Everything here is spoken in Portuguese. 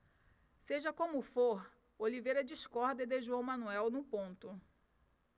seja como for oliveira discorda de joão manuel num ponto